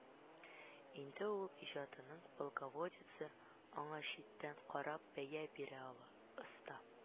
Инде ул үз иҗатының «полководецы», аңа читтән карап бәя бирә ала, оста